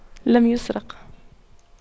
لم يسرق